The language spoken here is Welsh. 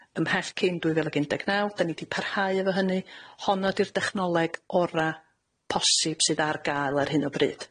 ym mhell cyn dwy fil ag un deg naw. 'Da ni 'di parhau efo hynny. Honno 'di'r dechnoleg ora' posib sydd ar ga'l ar hyn o bryd.